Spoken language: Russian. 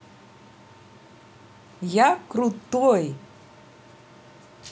я крутой